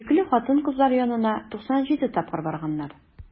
Йөкле хатын-кызлар янына 97 тапкыр барганнар.